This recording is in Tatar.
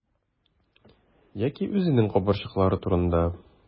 Яки үзенең кабырчрыклары турында.